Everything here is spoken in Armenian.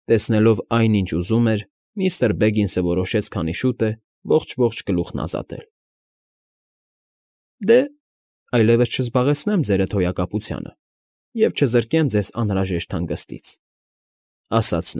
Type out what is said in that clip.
Տեսնելով այն, ինչ ուզում էր, միստր Բեգինսը որոշեց քանի շուտ է ողջ֊ողջ գլուխն ազատել։ ֊ Դե, այլևս չզբաղեցնեմ Ձերդ Հոյակապությանը և չզրկեմ ձեզ անհրաժեշտ հանգստից,֊ ասաց։